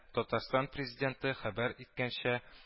Татарстан Президенты хәбәр иткәнчә